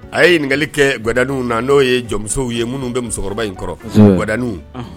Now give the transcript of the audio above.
A ye ɲininkagali kɛ gadw na n'o ye jɔnmusow ye minnu bɛ musokɔrɔba in kɔrɔ gwadw